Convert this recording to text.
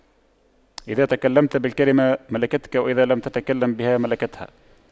إذا تكلمت بالكلمة ملكتك وإذا لم تتكلم بها ملكتها